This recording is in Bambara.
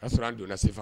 A' sɔrɔ' a donna la se